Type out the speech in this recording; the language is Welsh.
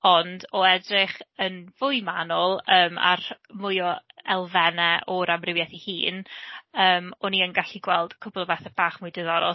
Ond o edrych yn fwy manwl yym ar mwy o elfennau o'r amrywiaeth ei hun, yym o'n i yn gallu gweld cwpwl o bethe bach mwy ddiddorol.